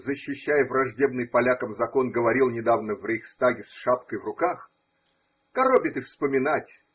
защищая враждебный полякам закон, говорил недавно в рейхстаге с шапкой в руках. – коробит и вспоминать.